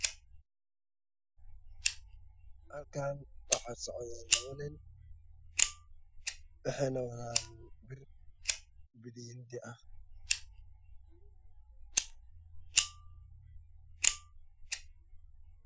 Halkaan waxaa socdo labo nin waxay wadaan bir hindi ah.